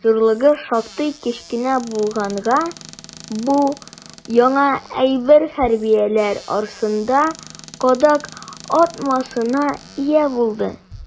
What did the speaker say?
Зурлыгы шактый кечкенә булганга, бу яңа әйбер хәрбиләр арасында «кадак» атамасына ия булды.